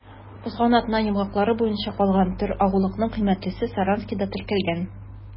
Узган атна йомгаклары буенча калган төр ягулыкның кыйммәтлесе Саранскида теркәлгән.